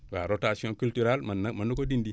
waaw rotation culturale mën na mën na ko dindi